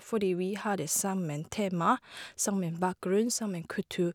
Fordi vi har det samme tema, samme bakgrunn, samme kultur.